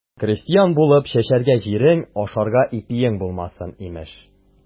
Крестьян булып, чәчәргә җирең, ашарга ипиең булмасын, имеш.